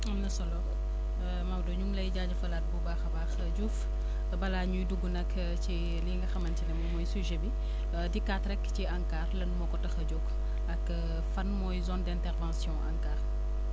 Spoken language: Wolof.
am na solo Maodo ñu ngi lay jaajëfalaat bu baax a baax Diouf balaa ñuy dugg nag ci lii nga xamante ni moom mooy sujet bi dikkaat rek ci ANCAR lan moo ko tax a jóg ak fan mooy zone d' intervention ANCAR